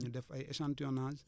ñu def ay échantillonnages